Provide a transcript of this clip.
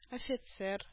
Офицер